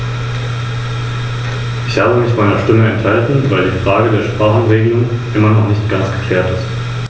Daher danke ich Ihnen, nun ein paar Worte dazu sagen zu können.